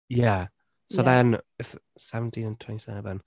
Ie. So, then f- seventeen and twenty seven.